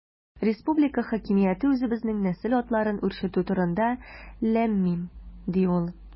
Республика хакимияте үзебезнең нәсел атларын үрчетү турында– ләм-мим, ди ул.